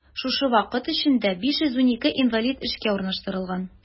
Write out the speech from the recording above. Шушы вакыт эчендә 512 инвалид эшкә урнаштырылган.